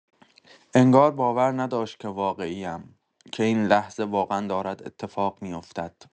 انگار باور نداشت که واقعی‌ام، که این لحظه واقعا دارد اتفاق می‌افتد.